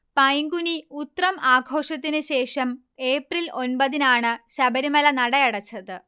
പൈങ്കുനി ഉത്രം ആഘോഷത്തിന് ശേഷം ഏപ്രിൽ ഒൻപതിനാണ് ശബരിമല നടയടച്ചത്